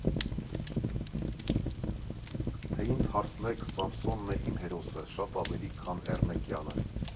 Թե ինձ հարցնեք՝ Սամսոնն է իմ հերոսը, շատ ավելի, քան Էռնեկյանը։